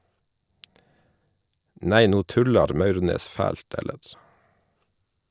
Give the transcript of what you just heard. Nei no tullar Maurnes fælt, eller?